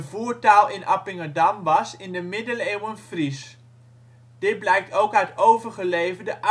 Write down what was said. voertaal in Appingedam was in de middeleeuwen Fries. Dit blijkt ook uit overgeleverde Oudfriese